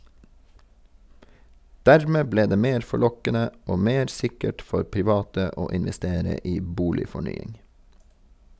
Dermed ble det mer forlokkende og mer sikkert for private å investere i boligfornying.